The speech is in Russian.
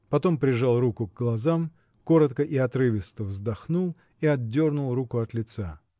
Потом прижал руку к глазам, коротко и отрывисто вздохнул и отдернул руку от лица.